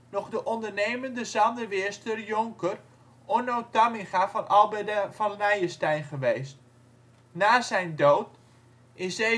nog de ondernemende Zandeweerster jonker Onno Tamminga van Alberda van Nijenstein geweest. Na zijn dood in 1743